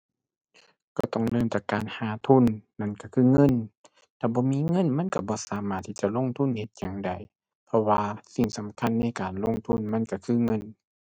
ก็ต้องเริ่มจากการหาทุน นั่นก็คือเงิน ถ้าบ่มีเงินมันก็บ่สามารถที่จะลงทุนเฮ็ดหยังได้ เพราะว่าสิ่งสำคัญในการลงทุนมันก็คือเงิน